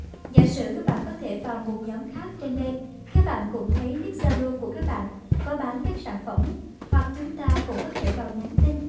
giả sử bạn có thể vào nhóm khác trên đây các bạn cũng thấy nick zalo của các bạn có bán các sản phẩm hoặc chúng ta cũng có thể vào nhắn tin